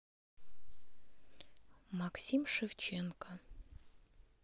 максим шевченко